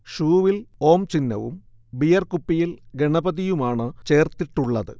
ഷൂവിൽ ഓം ചിഹ്നവും ബിയർകുപ്പിയിൽ ഗണപതിയുമാണ് ചേർത്തിട്ടുള്ളത്